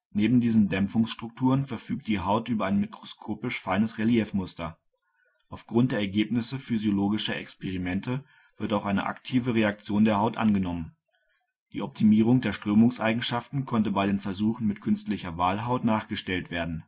Neben diesen Dämpfungsstrukturen verfügt die Haut über ein mikroskopisch feines Reliefmuster. Aufgrund der Ergebnisse physiologischer Experimente wird auch eine aktive Reaktion der Haut angenommen. Die Optimierung der Strömungseigenschaften konnte bei den Versuchen mit künstlicher Walhaut nachgestellt werden